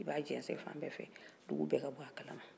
i b'a jɛsɛn fan bɛɛ fɛ dugu bɛɛ ka bɔ a kalama